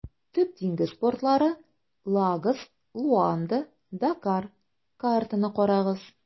Төп диңгез портлары - Лагос, Луанда, Дакар (картаны карагыз).